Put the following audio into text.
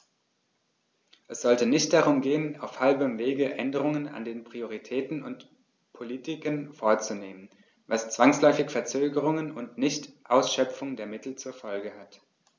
Es sollte nicht darum gehen, auf halbem Wege Änderungen an den Prioritäten und Politiken vorzunehmen, was zwangsläufig Verzögerungen und Nichtausschöpfung der Mittel zur Folge hat.